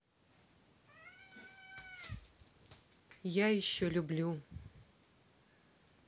я еще люблю